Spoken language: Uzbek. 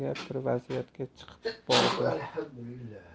birga bir vaziyatga chiqib bordi